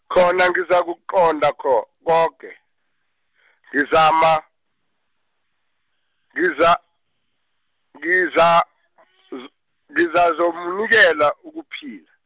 khona ngizakuqonda kho- koke , ngizama ngiza ngiza , z-, ngizazomnikela ukuphila.